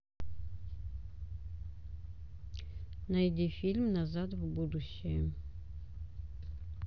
найди фильм назад в будущее